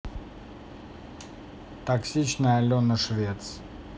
токсичная алена швец